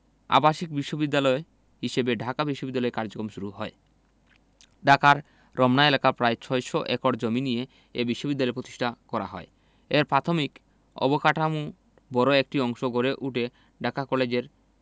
আবাসিক বিশ্ববিদ্যালয় হিসেবে ঢাকা বিশ্ববিদ্যালয়ের কার্যক্রম শুরু হয় ঢাকার রমনা এলাকার প্রায় ৬০০ একর জমি নিয়ে এ বিশ্ববিদ্যালয় প্রতিষ্ঠা করা হয় এর প্রাথমিক অবকাঠামোর বড় একটি অংশ গড়ে উঠে ঢাকা কলেজের